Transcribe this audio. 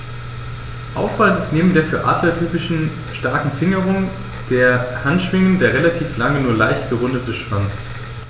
Auffallend ist neben der für Adler typischen starken Fingerung der Handschwingen der relativ lange, nur leicht gerundete Schwanz.